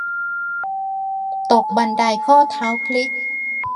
ตกบันไดข้อเท้าพลิก